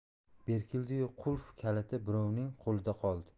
berkildi yu qulf kaliti birovning qo'lida qoldi